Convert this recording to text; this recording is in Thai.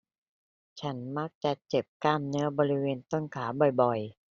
ฉันมักจะเจ็บกล้ามเนื้อบริเวณต้นขาบ่อยบ่อย